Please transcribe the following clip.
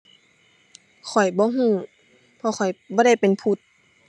ข้อยบ่รู้เพราะข้อยบ่ได้เป็นพุทธ